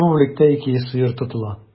Бу бүлектә 200 сыер тотыла.